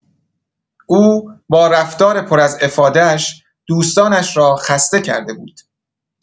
او با رفتار پر از افاده‌اش، دوستانش را خسته کرده بود.